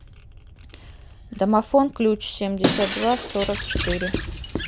домофон ключ семьдесят два сорок четыре